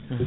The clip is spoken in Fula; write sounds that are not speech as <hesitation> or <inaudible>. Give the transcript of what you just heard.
<hesitation> <hesitation>